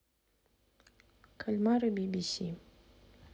кальмары би би си